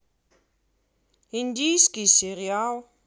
индийский сериал